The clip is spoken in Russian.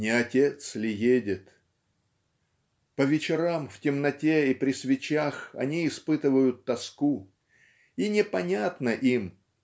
не отец ли едет?" По вечерам в темноте и при свечах они испытывают тоску. И непонятно им